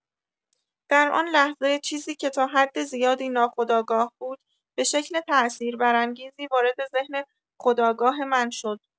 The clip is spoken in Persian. در آن لحظه، چیزی که تا حد زیادی ناخودآگاه بود به شکل تاثیربرانگیزی وارد ذهن خودآگاه من شد.